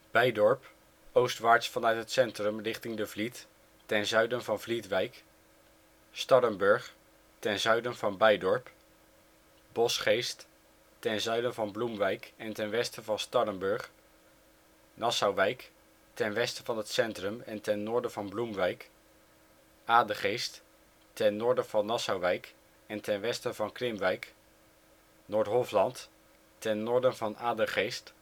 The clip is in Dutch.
Bijdorp - oostwaarts vanuit het Centrum richting de Vliet, ten zuiden van Vlietwijk Starrenburg - ten zuiden van Bijdorp Boschgeest - ten zuiden van Bloemwijk en ten westen van Starrenburg Nassauwijk - ten westen van het Centrum en ten noorden van Bloemwijk Adegeest - ten noorden van Nassauwijk en ten westen van Krimwijk Noord-Hofland - ten noorden van Adegeest